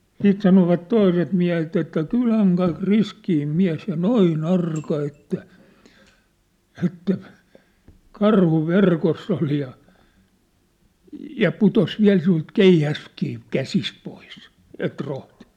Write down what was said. sitten sanoivat toiset miehet että kylän kaikki riskein mies ja noin arka että että karhu verkossa oli ja ja putosi vielä sinulta keihäskin käsistä pois et rohtinut